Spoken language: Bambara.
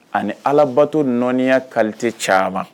Ani alabato nya kalilite caman